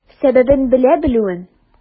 Сәбәбен белә белүен.